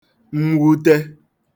mwute